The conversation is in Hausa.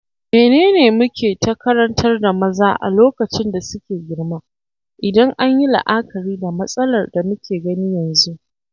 Mene ne muke ta karantar da maza a lokacin da suke girma, idan an yi la’akari da matsalar da muke gani yanzu?'